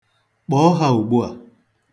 Kpọọ ha ugbua.